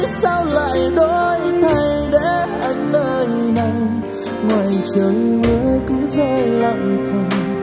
sao lại đổi thay để anh nơi này ngoài trơi mưa cứ rơi lặng thầm